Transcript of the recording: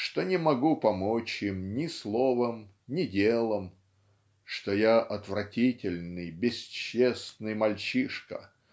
что не могу помочь им ни словом ни делом что я отвратительный бесчестный мальчишка